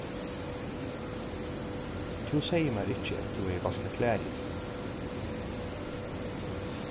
tú segði mær ikki at tú hevði vaskað klæðir